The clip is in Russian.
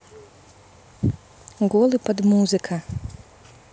голы под музыка